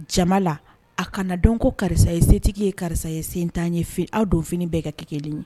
Jama la, a kana dɔn ko kaarisa ye setigi ye kaarisa ye sentan ye fewu a' donfinin bɛɛ ka kɛ kelen ye.